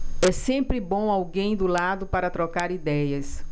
é sempre bom alguém do lado para trocar idéia